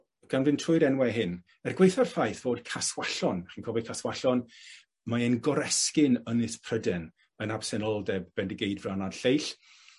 gan fyn' trwy'r enwau hyn er gweitha'r ffaith fod Caswallon, chi'n cofio Caswallon mae e'n goresgyn ynys Ynys Pryden yn absenoldeb Bendigeidfran a'r lleill